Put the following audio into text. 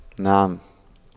نعم